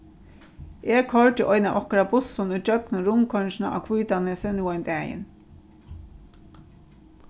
eg koyrdi ein av okkara bussum ígjøgnum rundkoyringina á hvítanesi nú ein dagin